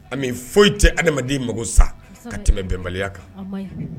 A foyi tɛ adamadamaden mago sa ka tɛmɛ bɛnbaliya kan